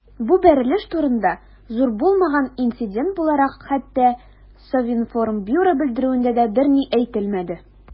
Бу бәрелеш турында, зур булмаган инцидент буларак, хәтта Совинформбюро белдерүендә дә берни әйтелмәде.